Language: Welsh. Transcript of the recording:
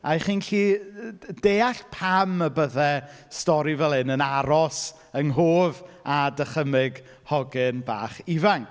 A y'ch chi'n gallu y- d- deall pam y bydde stori fel hyn yn aros yng nghof a dychymyg hogyn bach ifanc.